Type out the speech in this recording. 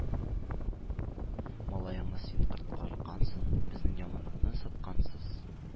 ”малаеңны син котырткансың. безнең яманатны саткансыз.